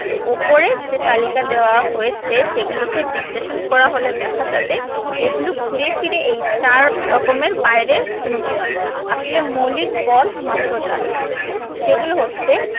ওপরে যে তালিকা দেওয়া হয়েছে সেগুলোকে বিশ্লেষণ করা হলে দেখা যাবে এগুলো ঘুরেফিরে এই চার রকমের বাইরে কোনোটি নয় আসলে মৌলিক বল মাত্র চারটি সেগুলো হচ্ছে